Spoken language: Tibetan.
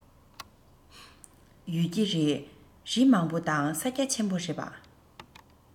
ཡོད ཀྱི རེད རི མང པོ དང ས རྒྱ ཆེན པོ རེད པ